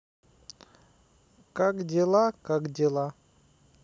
как дела как дела